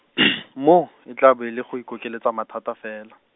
moo, e tla bo e le go ikokeletsa mathata fela.